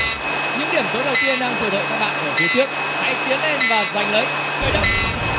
những điểm số đầu tiên đang chờ đợi các bạn ở phía trước hãy tiến lên và giành lấy khởi động